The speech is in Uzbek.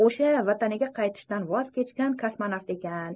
o'sha vataniga qaytishdan voz kechgan kosmonavt ekan